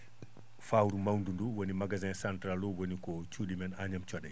fawru mawdu ndu woni magasin central o woni ko cuu?imen Agname Thiodaye